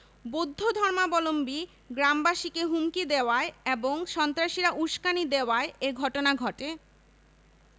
বৌদ্ধ ধর্মাবলম্বী গ্রামবাসীকে হুমকি দেওয়ায় এবং সন্ত্রাসীরা উসকানি দেওয়ায় এ ঘটনা ঘটে